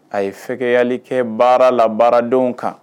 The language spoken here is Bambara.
A ye fɛgɛyali kɛ baara la baaradenw kan